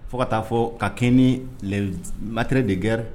Fo ka taa fɔ ka kɛ nimatre de gɛrɛ